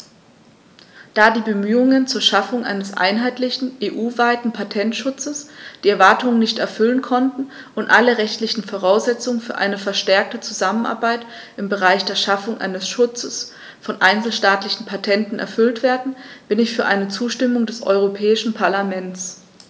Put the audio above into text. Da die Bemühungen zur Schaffung eines einheitlichen, EU-weiten Patentschutzes die Erwartungen nicht erfüllen konnten und alle rechtlichen Voraussetzungen für eine verstärkte Zusammenarbeit im Bereich der Schaffung eines Schutzes von einzelstaatlichen Patenten erfüllt werden, bin ich für eine Zustimmung des Europäischen Parlaments.